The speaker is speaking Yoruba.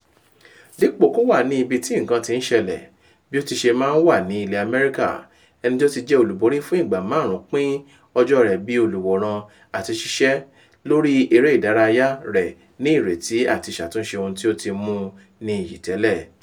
Dípò kò wà ní ibi tí nǹkan tí ń ṣelẹ̀, bí ó ti ṣe máa ń wà ní ilẹ̀ Amẹ́ríkà, ẹni tí ó ti jẹ́ olùborí fún ìgbà márùn ún pín ọjọ́ rẹ̀ bíi olùwòran àti ṣíṣẹ́ lórí i eré ìdárayá rẹ̀ ní ìrètí àti ṣàtúnṣe ohun tí ó ti mú u ní iyì tẹ́lẹ̀.